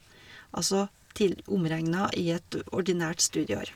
Altså, til omregna i et ordinært studieår.